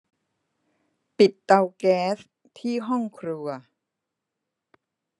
ปิดเตาแก๊สที่ห้องครัว